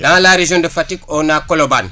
dans la région de Fatick on Colobane